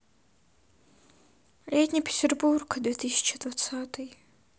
летний петербург две тысячи двадцатый